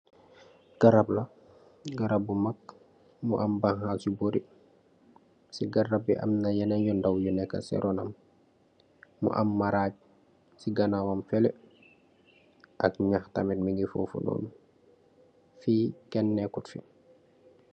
Garab lah, garab Bu makk! Mu am bahass yhu barri. Si garab b amna yehnen yu ndaw yu neka si ronam. Muh am marach si ganaw wam feleh. Ak Nyaxh tamit munge fofu nonu, Fee ken nekut fii